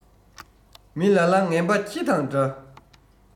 མི ལ ལ ངན པ ཁྱི དང འདྲ